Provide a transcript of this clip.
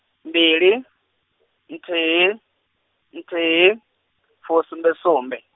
mbili, nthihi, nthihi, fusumbesumbe.